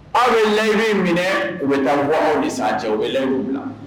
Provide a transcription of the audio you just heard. Aw bɛ layidu in minɛ u bɛ taa bɔ aw ni san cɛ u bɛ layidu bila.